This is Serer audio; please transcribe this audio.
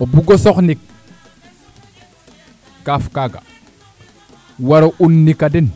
o bugo soxnik kaaf kaga waro unika den